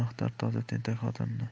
maqtar toza tentak xotinini